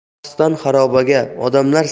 shahriston xarobaga odamlar